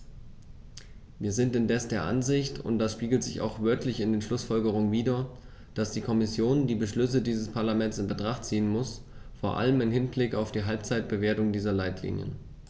Wir sind indes der Ansicht und das spiegelt sich auch wörtlich in den Schlussfolgerungen wider, dass die Kommission die Beschlüsse dieses Parlaments in Betracht ziehen muss, vor allem im Hinblick auf die Halbzeitbewertung dieser Leitlinien.